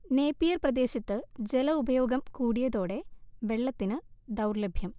Napier പ്രദേശത്ത് ജലഉപയോഗം കൂടിയതോടെ വെള്ളത്തിന് ദൗർലഭ്യം